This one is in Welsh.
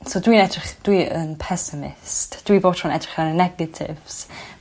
so dwi edrych dwi yn pessimist dwi bob tro yn edrych ar y negatives.